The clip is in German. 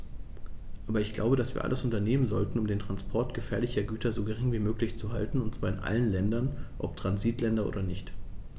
Aber ich glaube, dass wir alles unternehmen sollten, um den Transport gefährlicher Güter so gering wie möglich zu halten, und zwar in allen Ländern, ob Transitländer oder nicht.